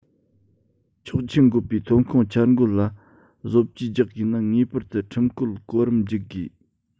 ཆོག མཆན བཀོད པའི ཐོན ཁུངས འཆར འགོད ལ བཟོ བཅོས རྒྱག དགོས ན ངེས པར དུ ཁྲིམས བཀོད གོ རིམ བརྒྱུད དགོས